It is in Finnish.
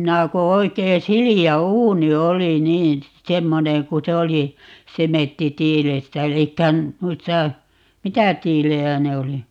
minä kun oikein sileä uuni oli niin semmoinen kun se oli sementtitiilestä eli noista mitä tiiliä ne oli